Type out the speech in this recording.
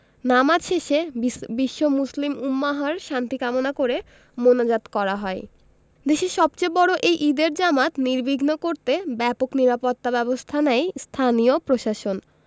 নামাজ শেষে বিশ্ব মুসলিম উম্মাহর শান্তি কামনা করে মোনাজাত করা হয় দেশের সবচেয়ে বড় এই ঈদের জামাত নির্বিঘ্ন করতে ব্যাপক নিরাপত্তাব্যবস্থা নেয় স্থানীয় প্রশাসন